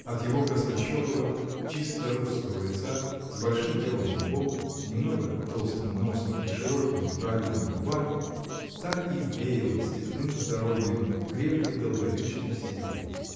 От его краснощекого, чисто русского лица, с большим белым лбом, немного толстым носом и широкими правильными губами, так и веяло степным здоровьем, крепкой, долговечной силой.